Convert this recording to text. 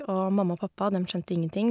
Og mamma og pappa, dem skjønte ingenting.